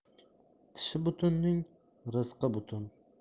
tishi butunning rizqi butun